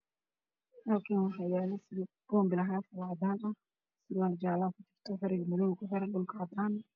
Halkaan waxaa yaalo boonbalo haaf ah oo cadaan ah waxaa kujiro surwaal jaale ah, qori madow ah ayaa kuxiran dhulkuna waa cadaan ah.